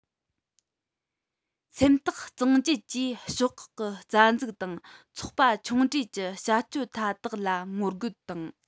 སེམས ཐག གཙང བཅད ཀྱིས ཕྱོགས ཁག གི རྩ འཛུགས དང ཚོགས པ ཆུང གྲས ཀྱི བྱ སྤྱོད མཐའ དག ལ ངོ རྒོལ དང